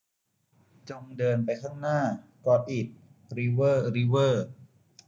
จงเดินไปข้างหน้าก็อทอิทริเวอร์ริเวอร์